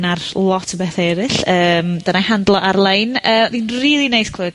...ar lot o bethe eryll. Yym, dyna'i handle o ar-lein. Yy, fu'n rili neis clywed